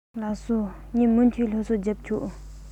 ལགས སོ ངས མུ མཐུད སློབ གསོ རྒྱབ ཆོག